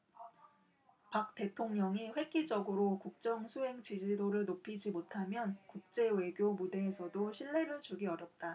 박 대통령이 획기적으로 국정수행지지도를 높이지 못하면 국제 외교 무대에서도 신뢰를 주기 어렵다